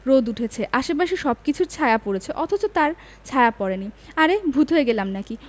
রোদ উঠেছে আশপাশের সবকিছুর ছায়া পড়েছে অথচ তাঁর ছায়া পড়েনি আরে ভূত হয়ে গেলাম নাকি